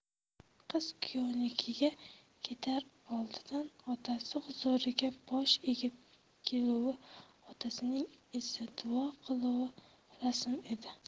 qiz kuyovnikiga ketar oldidan otasi huzuriga bosh egib keluvi otaning esa duo qiluvi rasm edi